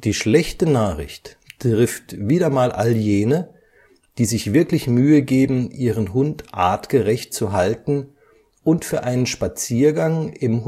schlechte Nachricht trifft wieder mal all jene, die sich wirklich Mühe geben, ihren Hund artgerecht zu halten und für einen Spaziergang im